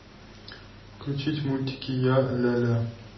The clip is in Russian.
включить мультики я ляля